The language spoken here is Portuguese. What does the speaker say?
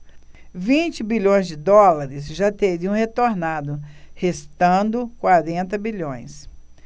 vinte bilhões de dólares já teriam retornado restando quarenta bilhões